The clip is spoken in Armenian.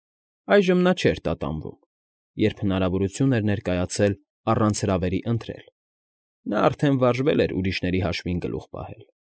Այժմ նա չէր տատանվում, երբ հնարավորություն էր ներկայացել առանց հրավերի ընթրել. նա արդեն վարժվել էր ուրիշների հաշվին գլուխ պահել։